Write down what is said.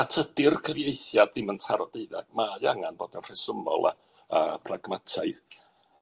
na tydi'r cyfieithiad ddim yn taro deuddag, mae angen bod yn rhesymol a a pragmataidd.